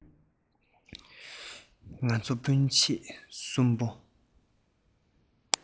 ང ཚོ སྤུན མཆེད གསུམ པོ